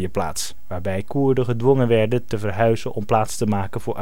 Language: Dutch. plaats, waarbij Koerden gedwongen werden te verhuizen om plaats te maken voor Arabieren